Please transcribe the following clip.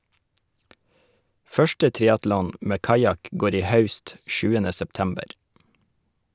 Første triatlon med kajakk går i haust, 7. september.